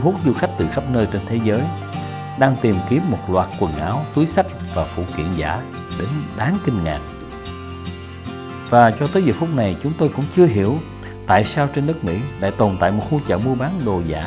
hút du khách từ khắp nơi trên thế giới đang tìm kiếm một loạt quần áo túi xách và phụ kiện giả đến đáng kinh ngạc và cho tới giờ phút này chúng tôi cũng chưa hiểu tại sao trên đất mỹ lại tồn tại một khu chợ mua bán đồ giả